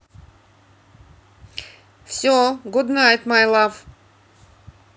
все good night my love